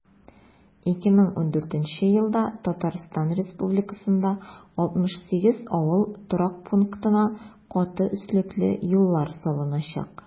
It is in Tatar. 2014 елда татарстан республикасында 68 авыл торак пунктына каты өслекле юллар салыначак.